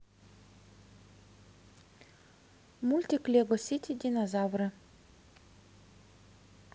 мультик лего сити динозавры